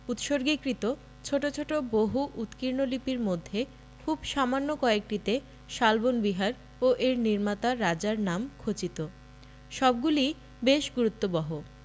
উৎসর্গীকৃত ছোট ছোট বহু উৎকীর্ণ লিপির মধ্যে খুব সামান্য কয়েকটিতে শালবন বিহার ও এর নির্মাতা রাজার নাম খচিত সবগুলিই বেশ গুরুত্ববহ